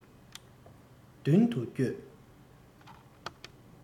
མདུན དུ བསྐྱོད